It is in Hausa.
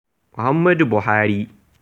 Muhammadu Buhari